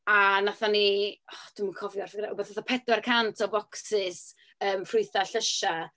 A wnaethon ni... och, dwi'm yn cofio'r ffigyrau, rywbeth fatha pedwar cant o focsys, yym, ffrwythau a llysiau.